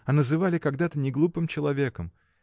А называли когда-то неглупым человеком!